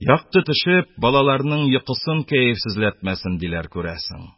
Якты төшеп, балаларның йокысын кәефсез-ләтмәсен, диләр, күрәсең!